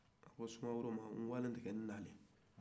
a ko soumaoro n tun taara n nana